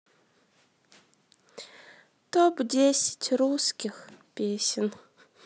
топ десять русских песен